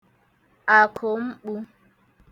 àkụ̀ mkpū